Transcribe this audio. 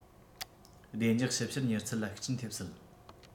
བདེ འཇགས ཞིབ བཤེར མྱུར ཚད ལ ཤུགས རྐྱེན ཐེབས སྲིད